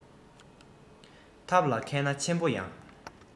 ཐབས ལ མཁས ན ཆེན པོ ཡང